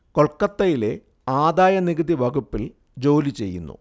കൊൽക്കത്തയിലെ ആദായ നികുതി വകുപ്പിൽ ജോലി ചെയ്യുന്നു